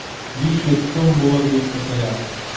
500 сум булыр дип көтелә.